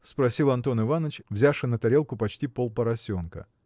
– спросил Антон Иваныч, взявши на тарелку почти полпоросенка.